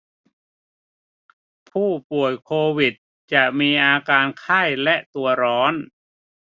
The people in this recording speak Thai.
ผู้ป่วยโควิดจะมีอาการไข้และตัวร้อน